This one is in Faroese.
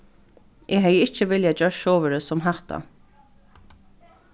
eg hevði ikki viljað gjørt sovorðið sum hatta